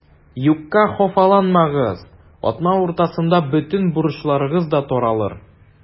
Юкка хафаланмагыз, атна уртасында бөтен борчуларыгыз да таралыр.